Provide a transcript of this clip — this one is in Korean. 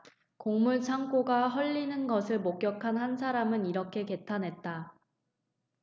곡물 창고가 헐리는 것을 목격한 한 사람은 이렇게 개탄했다